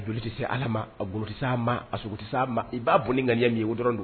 A joli tɛ se ala ma a goloti ma a tɛ ma i b'a boli ŋ ɲɛ min o dɔrɔn don